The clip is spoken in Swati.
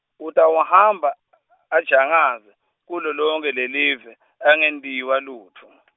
utawuhamba , ajangaza, kulo lonkhe lelive, angentiwa lutfo .